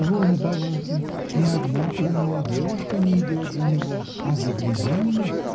Вон Балакин: ни одна умная девушка нейдет за него, а загляденье!